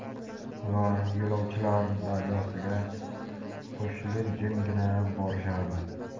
ular yo'lovchilar daryosiga qo'shilib jimgina borishardi